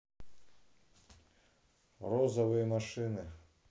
розовые машины